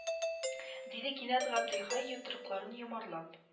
Диде кинәт габделхәй йодрыкларын йомарлап